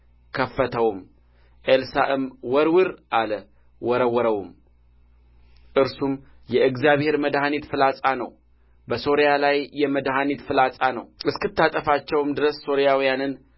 ከፈተውም ኤልሳዕም ወርውር አለ ወረወረውም እርሱም የእግዚአብሔር መድኃኒት ፍላጻ ነው በሶርያ ላይ የመድኃኒት ፍላጻ ነው እስክታጠፋቸው ድረስ ሶርያዊያንን